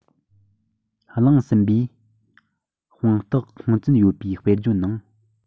གླེང ཟིན པའི དཔང རྟགས ཁུངས བཙུན ཡོད པའི དཔེར བརྗོད ནང